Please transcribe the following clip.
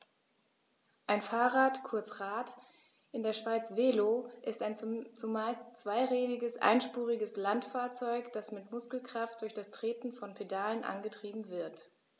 Ein Fahrrad, kurz Rad, in der Schweiz Velo, ist ein zumeist zweirädriges einspuriges Landfahrzeug, das mit Muskelkraft durch das Treten von Pedalen angetrieben wird.